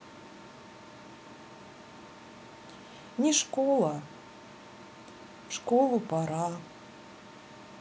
не школа в школу пора